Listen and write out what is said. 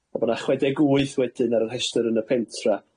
a bo' 'na chwedeg wyth wedyn ar y rhestr yn y pentra.